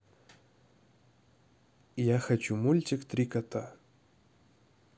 я хочу мультик три кота